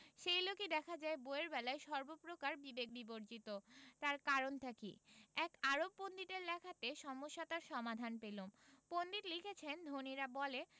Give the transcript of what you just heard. সেই লোকই দেখা যায় বইয়ের বেলায় সর্বপ্রকার বিবেক বিবর্জিত তার কারণটা কি এক আরব পণ্ডিতের লেখাতে সমস্যাটার সমাধান পেলুম পণ্ডিত লিখেছেন ধনীরা বলে